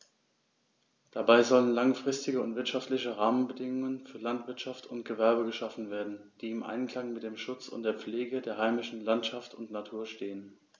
Dabei sollen langfristige und wirtschaftliche Rahmenbedingungen für Landwirtschaft und Gewerbe geschaffen werden, die im Einklang mit dem Schutz und der Pflege der heimischen Landschaft und Natur stehen.